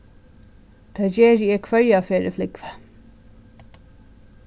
tað geri eg hvørja ferð eg flúgvi